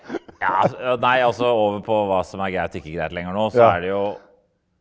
ja nei altså over på hva som er greit og ikke greit lenger nå så er det jo.